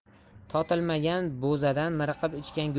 totilmagan bo'zadan miriqib